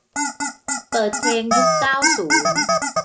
เปิดเพลงยุคเก้าศูนย์